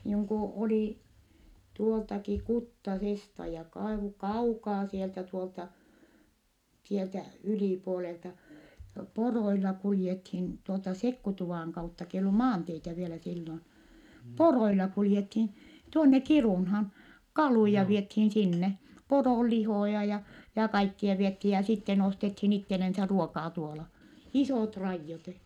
niin kun oli tuoltakin Kuttasesta ja - kaukaa sieltä tuolta sieltä ylipuolelta poroilla kuljettiin tuolta Sekkutuvan kautta kun ei ollut maanteitä vielä silloin poroilla kuljettiin tuonne Kiirunaan kaluja vietiin sinne poronlihoja ja ja kaikkia vietiin ja sitten ostettiin itselleen ruokaa tuolla isot raidot